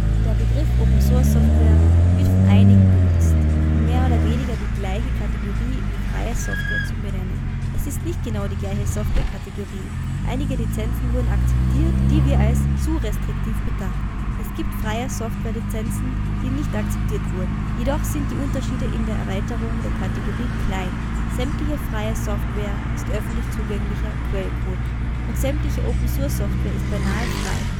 Der Begriff Open-Source-Software wird von einigen benutzt, um mehr oder weniger die gleiche Kategorie wie freie Software zu meinen. Es ist nicht genau die gleiche Softwarekategorie: einige Lizenzen wurden akzeptiert, die wir als zu restriktiv betrachten, und es gibt freie Softwarelizenzen, die nicht akzeptiert wurden. Jedoch sind die Unterschiede in der Erweiterung der Kategorie klein: sämtliche Freie Software ist öffentlich zugänglicher Quellcode und sämtliche Open-Source-Software ist beinahe frei